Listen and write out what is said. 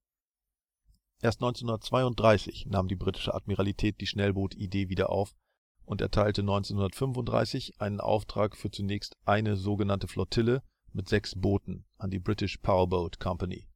Erst 1932 nahm die britischen Admiralität die Schnellbootidee wieder auf und erteilte 1935 einen Auftrag für zunächst eine sogenannte Flottille mit sechs Booten an die Britisch Power Boat Company